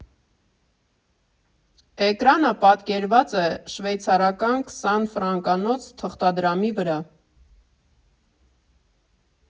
Էկրանը պատկերված է շվեյցարական քսան ֆրանկանոց թղթադրամի վրա։